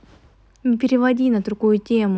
не переводи на другую тему